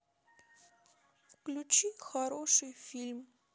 включи хороший фильм